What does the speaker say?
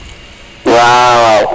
wawaw